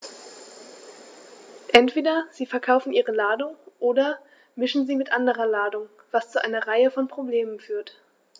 Entweder sie verkaufen ihre Ladung oder mischen sie mit anderer Ladung, was zu einer Reihe von Problemen führt.